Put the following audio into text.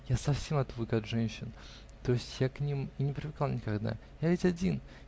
Я совсем отвык от женщин; то есть я к ним и не привыкал никогда; я ведь один.